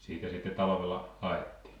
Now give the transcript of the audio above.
siitä sitten talvella haettiin